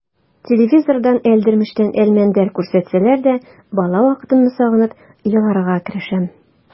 Телевизордан «Әлдермештән Әлмәндәр» күрсәтсәләр дә бала вакытымны сагынып еларга керешәм.